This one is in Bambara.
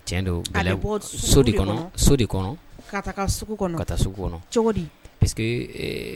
Don bɔ so de kɔnɔ so de kɔnɔ ka kɔnɔ ka taa sugu kɔnɔ cogodi parce